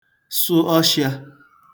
sụ ọshịā